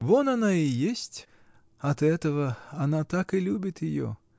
Вот она и есть: от этого она так и любит ее.